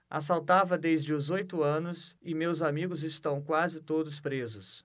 assaltava desde os oito anos e meus amigos estão quase todos presos